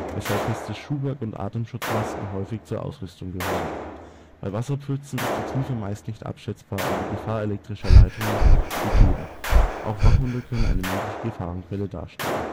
weshalb festes Schuhwerk und Atemschutzmasken häufig zur Ausrüstung gehören. Bei Wasserpfützen ist die Tiefe meist nicht abschätzbar und die Gefahr elektrischer Leitung gegeben. Auch Wachhunde können eine mögliche Gefahrenquelle darstellen